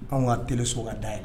An k ka t so ka da yɛlɛ